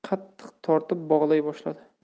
iplarini qattiq tortib bog'lay boshladi